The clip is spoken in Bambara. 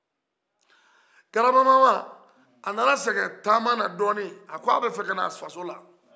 grabamama a nana sɛgɛ taama dɔni a ko a bɛ fɛ ka na a faso la